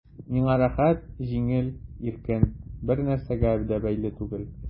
Миңа рәхәт, җиңел, иркен, бернәрсәгә дә бәйле түгел...